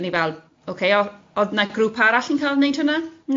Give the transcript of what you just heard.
o'n i fel ok oedd oedd na grŵp arall yn cael wneud hwnna?